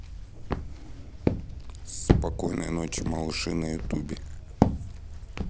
спокойной ночи малыши на ютубе